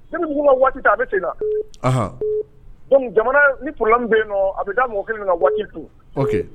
Ne ma waati ta a bɛ se na bon jamana nila bɛ yen nɔn a bɛ taa mɔ kelen nana na waati tu